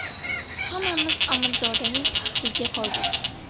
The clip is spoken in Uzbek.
hammamiz amirzodaning qahriga qoldik